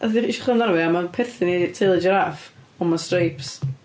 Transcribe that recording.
Es i chwilio amdano fo iawn. Mae'n perthyn i teulu jiráff ond mae'n streips.